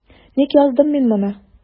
Ник яздым мин моны?